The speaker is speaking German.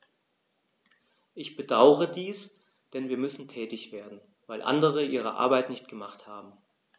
Ich bedauere dies, denn wir müssen tätig werden, weil andere ihre Arbeit nicht gemacht haben.